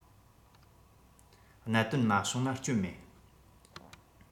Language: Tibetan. གནད དོན མ བྱུང ན སྐྱོན མེད